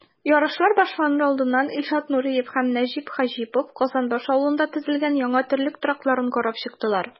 Ярышлар башланыр алдыннан Илшат Нуриев һәм Нәҗип Хаҗипов Казанбаш авылында төзелгән яңа терлек торакларын карап чыктылар.